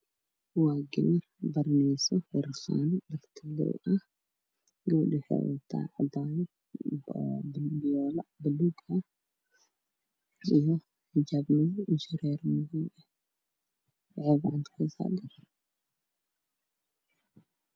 Waa gabar baraneyso harqaan dhar toliin ah. Gabadhu waxay wadataa saako buluug ah iyo xijaab madow indho shareer madow. Waxay gacanta kuheysaa dhar.